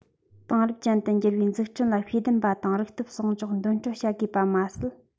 དེང རབས ཅན དུ འགྱུར བའི འཛུགས སྐྲུན ལ ཤེས ལྡན པ དང རིག སྟོབས གསོག འཇོག འདོན སྤྲོད བྱ དགོས པ མ ཟད